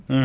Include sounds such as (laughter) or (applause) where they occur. (hesitation) (hesitation)